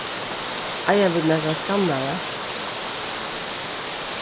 eiga vit nakran skannara